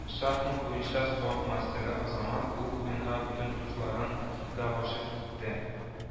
Шахмат буенча спорт мастеры азамат бу уенга бөтен дусларын да гашыйк итте